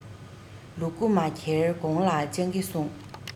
ལུ གུ མ འཁྱེར གོང ལ སྤྱང ཀི སྲུངས